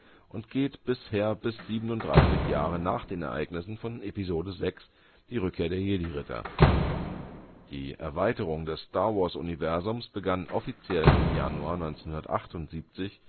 geht bisher bis 37 Jahre nach den Ereignissen von Episode VI – Die Rückkehr der Jedi-Ritter. Die Erweiterung des Star-Wars-Universums begann offiziell im Januar 1978